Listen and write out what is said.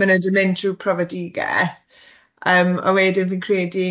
Ma nhw di mynd trwy profidigeth yym a wedyn fi'n credu